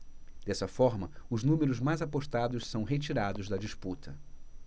dessa forma os números mais apostados são retirados da disputa